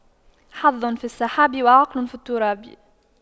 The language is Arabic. حظ في السحاب وعقل في التراب